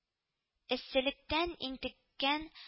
—эсселектән интеккән